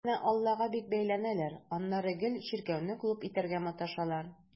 Тик менә аллага бик бәйләнәләр, аннары гел чиркәүне клуб итәргә маташалар.